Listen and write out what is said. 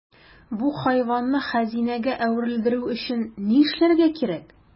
Бу хайванны хәзинәгә әверелдерү өчен ни эшләргә кирәк?